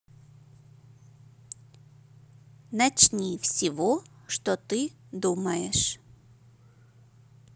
начни всего что ты думаешь